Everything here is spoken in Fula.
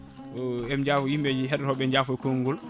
eɓe jaafo yimɓeɓe heɗotoɓe jaafo e kongol ngol